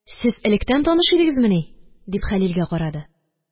Сез электән таныш идеңезмени? – дип, Хәлилгә карады